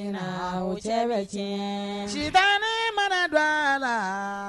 Inaa o cɛ bɛ cɛɛn sitanɛɛ mana do a laa